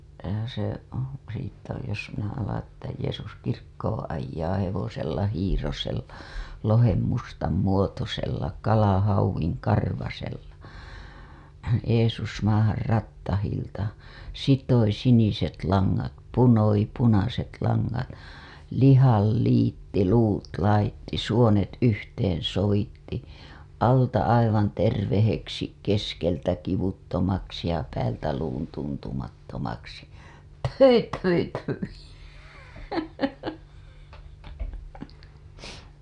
se siitä jos minä alan että Jeesus kirkkoon ajaa hevosella hiirosella lohen mustan muotoisella kalahauvin karvaisella Jeesus maahan rattailta sitoi siniset langat lihan liitti luut laittoi suonet yhteen sovitti alta aivan terveeksi keskeltä kivuttomaksi ja päältä luun tuntumattomaksi pthyi pthyi pthyi